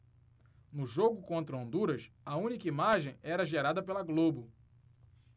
no jogo contra honduras a única imagem era gerada pela globo